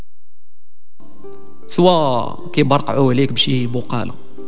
سوا لك شيء بقاله